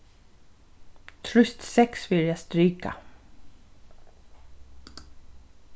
trýst seks fyri at strika